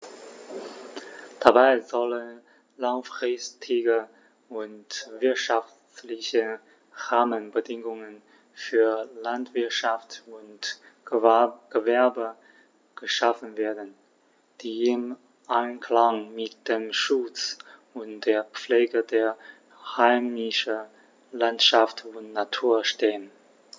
Dabei sollen langfristige und wirtschaftliche Rahmenbedingungen für Landwirtschaft und Gewerbe geschaffen werden, die im Einklang mit dem Schutz und der Pflege der heimischen Landschaft und Natur stehen.